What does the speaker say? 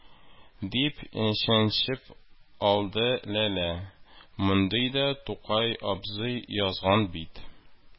Дип чәнчеп алды ләлә: – моны да тукай абый язган бит,